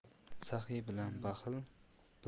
saxiy bilan baxil